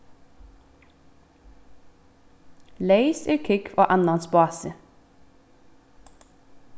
leys er kúgv á annans bási